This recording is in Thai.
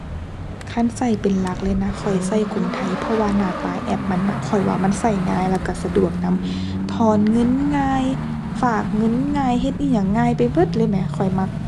คันใช้เป็นหลักเลยนะ ข้อยใช้กรุงไทย เพราะว่าหน้าตาแอปมันนะ ข้อยว่ามันใช้ง่ายแล้วใช้สะดวกนำ ถอนเงินง่าย ฝากเงินง่าย เฮ็ดอิหยังง่ายไปเบิดเลยแหม ข้อยมัก